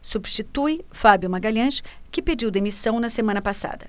substitui fábio magalhães que pediu demissão na semana passada